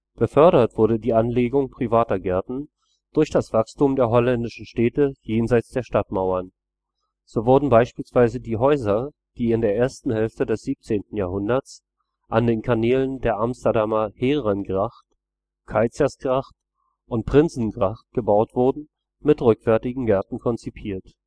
Befördert wurde die Anlegung privater Gärten durch das Wachstum der holländischen Städte jenseits der Stadtmauern. So wurden beispielsweise die Häuser, die in der ersten Hälfte des 17. Jahrhunderts an den Kanälen der Amsterdamer Herengracht, Keizersgracht und Prinsengracht gebaut wurden, mit rückwärtigen Gärten konzipiert